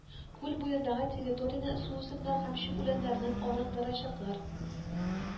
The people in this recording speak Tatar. Күл буендагы территорияне суүсемнәр һәм чүп үләннәреннән арындырачаклар